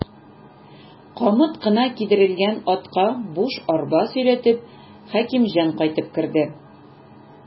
Камыт кына кидерелгән атка буш арба сөйрәтеп, Хәкимҗан кайтып керде.